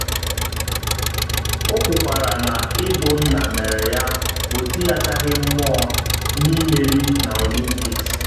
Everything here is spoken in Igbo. O kwukwara na ịbụ nna mere ya o tinyechaghị mmụọ n’imeri na Olympics.